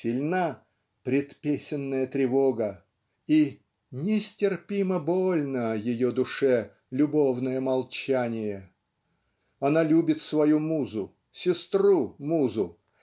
сильна "предпесенная тревога" и "нестерпимо больно" ее душе "любовное молчание". Она любит свою Музу сестру-Музу